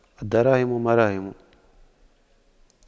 الدراهم مراهم